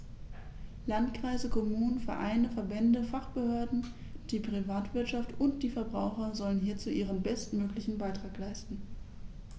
Landkreise, Kommunen, Vereine, Verbände, Fachbehörden, die Privatwirtschaft und die Verbraucher sollen hierzu ihren bestmöglichen Beitrag leisten.